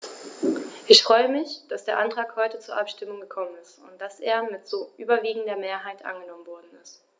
Ich freue mich, dass der Antrag heute zur Abstimmung gekommen ist und dass er mit so überwiegender Mehrheit angenommen worden ist.